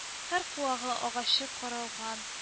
Һәр куагы, агачы каралган